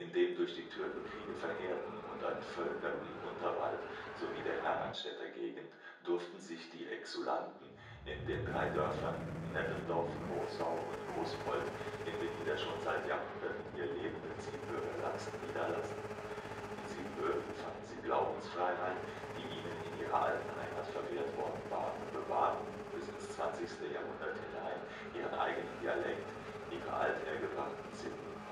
dem durch die Türkenkriege verheerten und entvölkerten Unterwald sowie der Hermannstädter Gegend durften sich die „ Exulanten “in den drei Dörfern Neppendorf, Großau und Großpold, inmitten der schon seit Jahrhunderten hier lebenden Siebenbürger Sachsen, niederlassen. In Siebenbürgen fanden sie Glaubensfreiheit, die ihnen in ihrer alten Heimat verwehrt worden war und bewahrten bis ins 20. Jhd. hinein ihren eigenen Dialekt, ihre althergebrachten Sitten